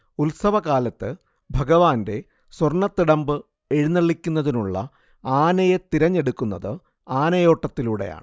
ഉത്സവകാലത്ത് ഭഗവാന്റെ സ്വർണ്ണതിടമ്പ് എഴുന്നള്ളിക്കുന്നതിനുള്ള ആനയെ തിരഞ്ഞെടുക്കുന്നത് ആനയോട്ടത്തിലൂടെയാണ്